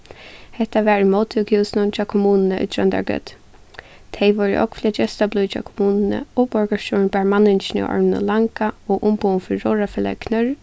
hetta var í móttøkuhúsinum hjá kommununi í tróndargøtu tey vóru ógvuliga gestablíð hjá kommununi og borgarstjórin bar manningini á orminum langa og umboðum fyri róðrarfelagið knørr